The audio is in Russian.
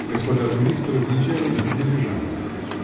господа туристы разъезжали в дилижансах.